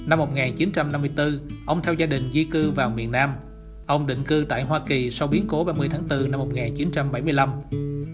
năm một ngàn chín trăm năm tư ông theo gia đình di cư vào miền nam ông định cư tại hoa kỳ sau biến cố ba mươi tháng tư năm một ngàn chín trăm bảy mươi lăm